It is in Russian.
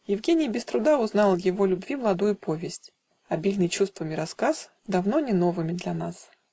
Евгений без труда узнал Его любви младую повесть, Обильный чувствами рассказ, Давно не новыми для нас.